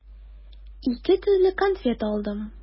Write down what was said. Ике төрле конфет алдым.